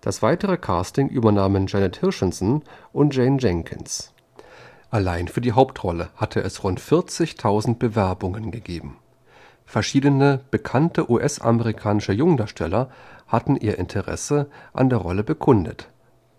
Das weitere Casting übernahmen Janet Hirshenson und Jane Jenkins. Allein für die Hauptrolle hatte es rund 40.000 Bewerbungen gegeben. Verschiedene bekannte US-amerikanische Jungdarsteller hatten ihr Interesse an der Rolle bekundet,